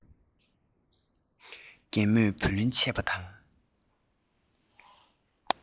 རྒན མོས བུ ལོན ཆད པ དང